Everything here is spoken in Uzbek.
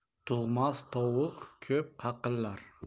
tug'mas tovuq ko'p qaqillar